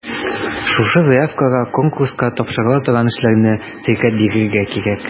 Шушы заявкага конкурска тапшырыла торган эшләрне теркәп бирергә кирәк.